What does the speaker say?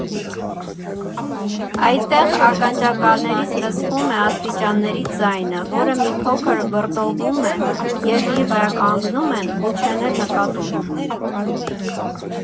Այդտեղ ականջակալներից լսվում է աստիճանների ձայնը, որը մի փոքր վրդովվում է, երբ իր վրա կանգնում են ու չեն էլ նկատում։